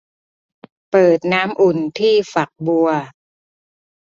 เปิดน้ำอุ่นที่ฝักบัว